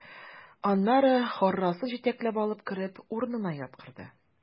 Аннары Харрасны җитәкләп алып кереп, урынына яткырды.